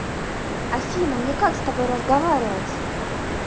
афина мне как с тобой разговаривать